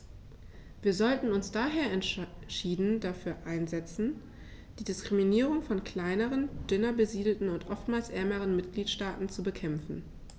Wir sollten uns daher entschieden dafür einsetzen, die Diskriminierung von kleineren, dünner besiedelten und oftmals ärmeren Mitgliedstaaten zu bekämpfen.